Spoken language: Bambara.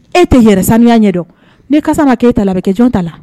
E tɛ yɛrɛ saniya ɲɛ dɔn n'i kasa k ka k ee ta la bɛ kɛ jɔn ta la